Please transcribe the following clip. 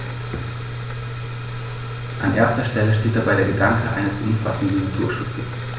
An erster Stelle steht dabei der Gedanke eines umfassenden Naturschutzes.